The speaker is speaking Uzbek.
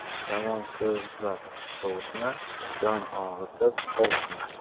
yomon so'zlab sovutma jon og'ritib ovutma